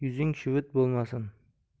yuzing shuvit bo'lmasin